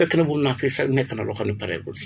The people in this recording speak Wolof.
fekk na boobu naaf yi sax nekk na loo xam ni pareegul sax